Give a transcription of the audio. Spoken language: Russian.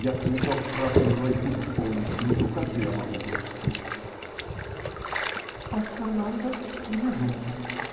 Я цветок красной гвоздики в полном цвету -- как же я могу грустить? -- Паж Фернандо, мне жутко.